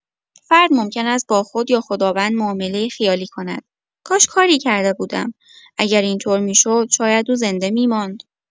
فرد ممکن است با خود یا خداوند معامله خیالی کند: کاش کاری کرده بودم، اگر اینطور می‌شد شاید او زنده می‌ماند.